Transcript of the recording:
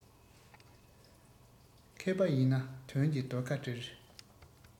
མཁས པ ཡིན ན དོན གྱི རྡོ ཁ སྒྲིལ